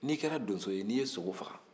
n'i kɛra donso ye n'i ye sogo faga